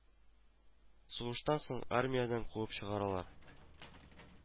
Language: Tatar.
Сугыштан соң армиядан куып чыгаралар